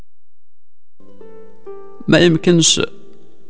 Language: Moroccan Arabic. ما يمكن